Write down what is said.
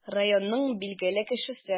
Районның билгеле кешесе.